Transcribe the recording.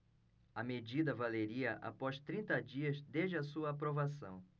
a medida valeria após trinta dias desde a sua aprovação